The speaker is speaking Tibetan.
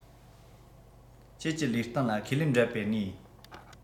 ཁྱེད ཀྱི ལུས སྟེང ལ ཁས ལེན འབྲད བའི གནས ཡིན